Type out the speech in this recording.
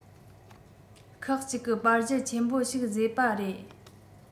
ཁག གཅིག གི པར གཞི ཆེན པོ ཞིག བཟོས པ རེད